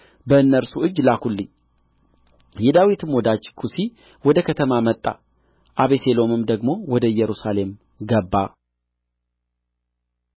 በእነርሱ እጅ ላኩልኝ የዳዊትም ወዳጅ ኩሲ ወደ ከተማ መጣ አቤሴሎምም ደግሞ ወደ ኢየሩሳሌም ገባ